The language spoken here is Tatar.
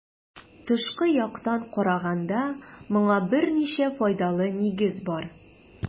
Тышкы яктан караганда моңа берничә файдалы нигез бар.